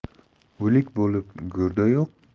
o'lik bo'lib go'rda yo'q